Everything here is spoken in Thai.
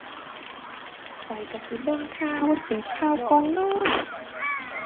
ข้อยก็สิเบิ่งข่าว เสพข่าวก่อนนอน